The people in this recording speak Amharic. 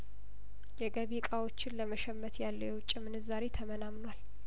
የገቢ እቃዎችን ለመሸመት ያለው የውጭምንዛሪ ተመናምኗል